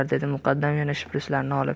dedi muqaddam yana shprislarni olib